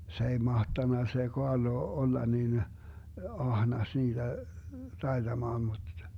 se ei mahtanut se Kaarlo olla niin ahnas niitä taitamaan mutta